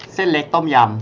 เส้นเล็กต้มยำ